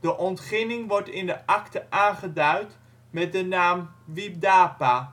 De ontginning wordt in de acte aangeduid met de naam Widapa